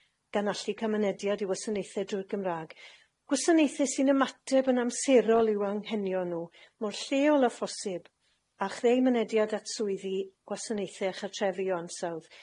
gan allu ca'l mynediad i wasanaethe drwy'r Gymra'g, gwasanaethe sy'n ymateb yn amserol i'w anghenion nw, mor lleol â phosib, a chreu mynediad at swyddi, gwasanaethe a chartrefi o ansawdd.